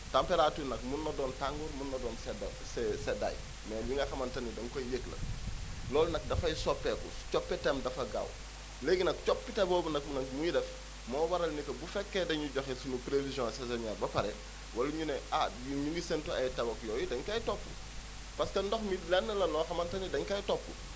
température nag mën na doon tàngoor mën na doon sedd se sedday mais li nga xamane ni da nga koy yëgg la loolu nag dafay soppeeku coppiteem dafa gaaw léegi nag coppite boobu nag nag muy def moo waral ni que bu fekkee dañuy joxe sunu prévision saisonière ba pare wala ñu ne ah ñun ñu ngi séntu ay taw ak yooyu dañu koy topp parce que ndox mi it lenn la loo xamante ni dañu koy topp